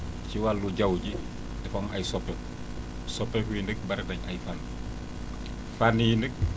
ci wàllu jaww ji dafa am ay soppeeku soppeeku yi nag bëri nañu ay fànn fànn yi nag